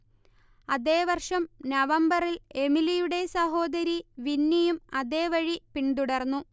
അതേ വർഷം നവംബറിൽ എമിലിയുടെ സഹോദരി വിന്നിയും അതേവഴി പിന്തുടർന്നു